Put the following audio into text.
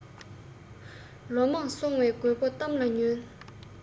ལོ མང སོང བའི རྒད པོའི གཏམ ལ ཉོན